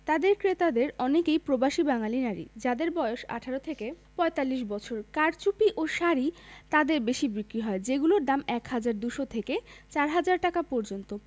তাঁদের ক্রেতাদের অনেকেই প্রবাসী বাঙালি নারী যাঁদের বয়স ১৮ থেকে ৪৫ বছর কারচুপি ও শাড়ি তাঁদের বেশি বিক্রি হয় যেগুলোর দাম ১ হাজার ২০০ থেকে ৪ হাজার টাকা পর্যন্ত